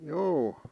joo